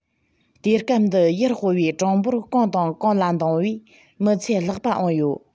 དུས སྐབས འདི ཡུལ སྤོ བའི གྲངས འབོར གང དང གང ལ འདང བས མི ཚད ལྷག པའང ཡོད